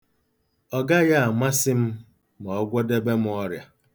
Ọ gaghị amasị m ma ọ gwọdebe m ọrịa.